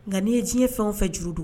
Nka n'i ye diɲɛ fɛn o fɛn juru don